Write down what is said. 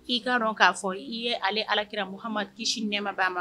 K ii ka dɔn k'a fɔ i ye ale alakira mu hama kisi nɛmabaa ma